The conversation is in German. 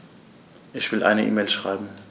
Ich will eine E-Mail schreiben.